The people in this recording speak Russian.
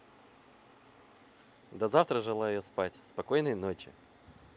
до завтра желаю я спать спокойной ночи